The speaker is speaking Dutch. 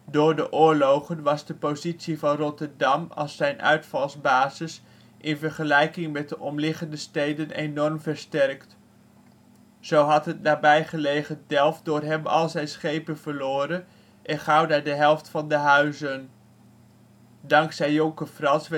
Door de oorlogen was de positie van Rotterdam als zijn uitvalsbasis in vergelijking met de omliggende steden enorm versterkt. Zo had het nabijgelegen Delft door hem al zijn schepen verloren en Gouda de helft van de huizen. Dankzij Jonker Frans